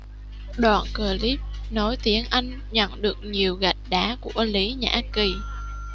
đoạn clip nói tiếng anh nhận được nhiều gạch đá của lý nhã kỳ